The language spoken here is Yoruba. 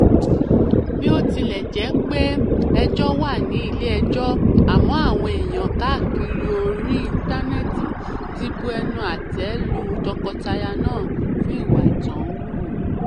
Bí ó tilẹ̀ jẹ́ pé ejọ́ wà ní ilé-ẹjọ́, àmọ́ àwọn èèyàn káàkiri orí íntánẹ́ẹ́tì ti bu ẹnu àtẹ́ lu tọkọtaya náà fún ìwà t’ọ́n wù.